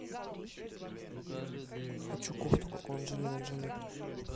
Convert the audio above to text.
хочу кофту как у анджелины джоли